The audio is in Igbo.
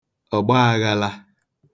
ọ̀gbaāghālā